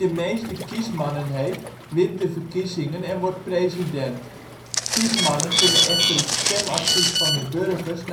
meeste kiesmannen heeft wint de verkiezingen en wordt president. Kiesmannen kunnen echter het stemadvies van de burgers